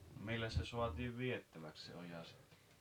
milläs se saatiin viettäväksi se oja sitten